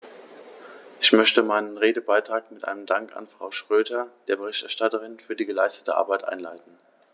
Ich möchte meinen Redebeitrag mit einem Dank an Frau Schroedter, der Berichterstatterin, für die geleistete Arbeit einleiten.